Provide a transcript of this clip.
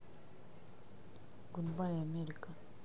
гудбай америка